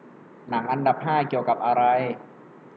หนังอันดับห้าเกี่ยวกับอะไร